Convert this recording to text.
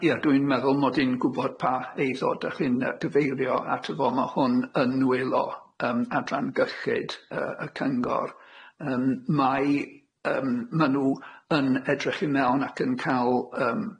Ma' ia dwi'n meddwl mod i'n gwbod pa eiddo dych chi'n yy gyfeirio ato fo ma' hwn yn nwylo yym adran gyllid yy y Cyngor yym mae yym ma' nw yn edrych i mewn ac yn ca'l yym